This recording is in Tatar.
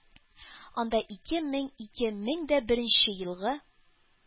Анда ике мең-ике мең дә беренче елгы